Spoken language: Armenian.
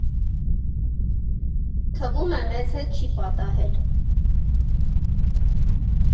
Թվում է՝ մեզ հետ չի պատահել.